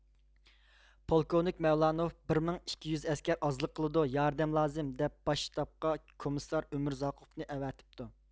پولكوۋنىك مەۋلانوف بىر مىڭ ئىككى يۈز ئەسكەر ئازلىق قىلىدۇ ياردەم لازىم دەپ باش شتابقا كومىسسار ئۆمۈرزاقۇفنى ئەۋەتىپتۇ